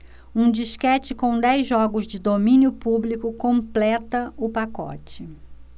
um disquete com dez jogos de domínio público completa o pacote